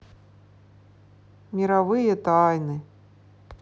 мировые тайны